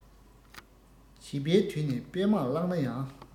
བྱིས པའི དུས ནས དཔེ མང བཀླགས ན ཡང